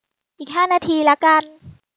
อีกห้านาทีละกัน